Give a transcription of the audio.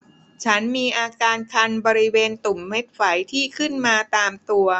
ฉันมีอาการคันบริเวณตุ่มเม็ดไฝที่ขึ้นมาตามตัว